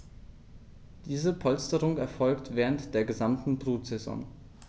Diese Polsterung erfolgt während der gesamten Brutsaison.